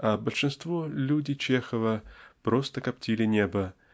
а большинство--люди Чехова--просто коптили небо